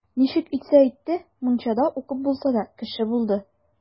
Ничек итсә итте, мунчада укып булса да, кеше булды.